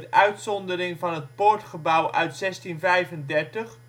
uitzondering van het poortgebouw uit 1635 afgebroken. Het